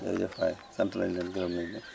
jërërjëf waay sant nañu leen gërëm nañu leen